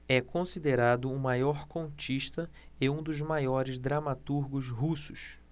é considerado o maior contista e um dos maiores dramaturgos russos